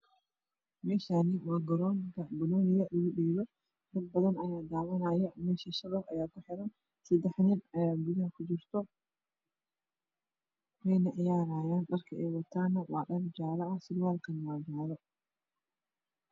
Meshani waa garonka banonika lagu dheelo dadbadan aa dawanayo mesh shabaq aa kuxiran sedax nin aa gudaha kujirto weyna ciyaran dharka eey watan waa dhar jale sarwalkan waa jale